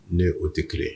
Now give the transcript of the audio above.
Ne o tɛ kelen